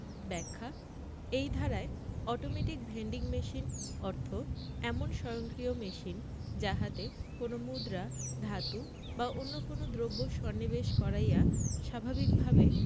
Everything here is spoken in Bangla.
ব্যাখ্যা এই ধারায় অটোমেটিক ভেন্ডিং মেশিন অর্থ এমন স্বয়ংক্রিয় মেশিন যাহাতে কোন মুদ্রা ধাতু বা অন্য কোন দ্রব্য সন্নিবেশ করাইয়া স্বাভাবিকভাবে